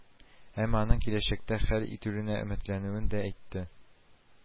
Әмма аның киләчәктә хәл ителүенә өметләнүен дә әйтте